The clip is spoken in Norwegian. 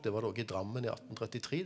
det var det òg i Drammen i attentrettitre.